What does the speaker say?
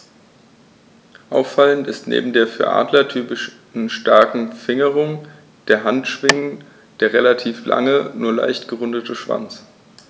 Auffallend ist neben der für Adler typischen starken Fingerung der Handschwingen der relativ lange, nur leicht gerundete Schwanz.